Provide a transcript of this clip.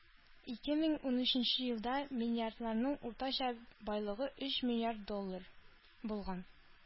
Ике мең унөченче елда миллиардерларның уртача байлыгы өч миллиард доллар булган.